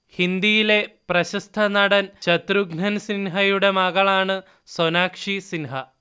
ഹിന്ദിയിലെ പ്രശസ്ത നടൻ ശത്രുഘ്നൻ സിൻഹയുടെ മകളാണ് സൊനാക്ഷി സിൻഹ